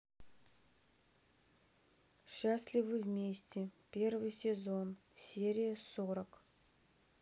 счастливы вместе первый сезон серия сорок